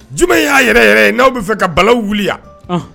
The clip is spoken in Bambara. Juma in y'a yɛrɛ yɛrɛ ye n'aw bɛ fɛ ka bala wuli yan